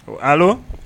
O a